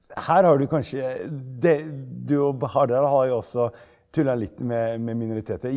her har du kanskje det du og Harald har jo også tulla litt med med minoriteter.